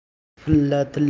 pilla tilla